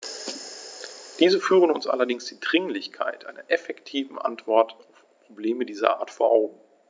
Diese führen uns allerdings die Dringlichkeit einer effektiven Antwort auf Probleme dieser Art vor Augen.